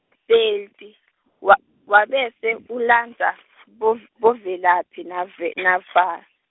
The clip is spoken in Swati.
Bheki, wa- wabese, ulandza, bov- boVelaphi naVe naVa.